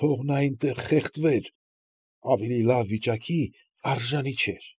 Թող նա այնտեղ խեղդվեր, ավելի լավ վիճակի արժանի չեր։ ֊